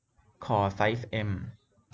ขอไซส์เอ็ม